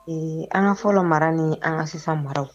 Ee an ka fɔlɔ mara ni an ka sisan maraw